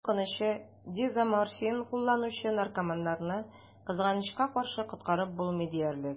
Иң куркынычы: дезоморфин кулланучы наркоманнарны, кызганычка каршы, коткарып булмый диярлек.